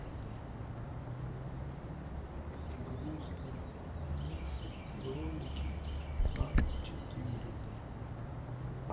грустный моменты в ролике а четыре